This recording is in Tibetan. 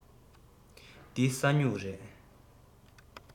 འདི ས སྨྱུག རེད